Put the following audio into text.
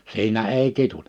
siinä ei kiduta